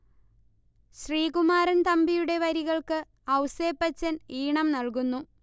ശ്രീകുമാരൻ തമ്പിയുടെ വരികൾക്ക് ഔസേപ്പച്ചൻ ഈണം നൽകുന്നു